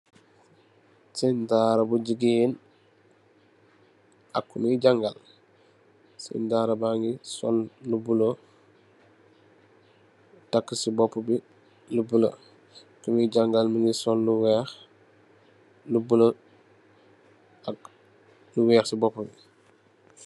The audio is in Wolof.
Sange daara bu jigéen ak ku ñooy jaangal, sange daara baa ngi sol lu bulo, takkë si boopam bi lu bulo. Ki muy jàngale ñu ngi sol lu weex, lu bulo, ak lu weex si boopu bi.